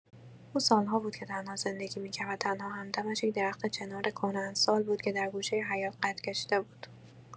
او سال‌ها بود که تنها زندگی می‌کرد و تنها همدمش، یک درخت چنار کهنسال بود که در گوشه حیاط قد کشیده بود.